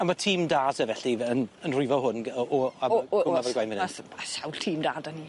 A ma' tîm da te felly yn yn rwyfo hwn gy- o- o- ma' s- ma' sawl tîm da 'dan ni.